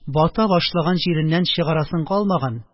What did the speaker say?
Бата башлаган җиреннән чыгарасың калмаган